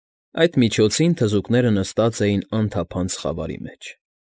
Այդ միջոցին թզուկները նստած էին անթափանց խավարի մեջ։